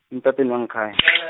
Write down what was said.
emtatweni wangekhaya .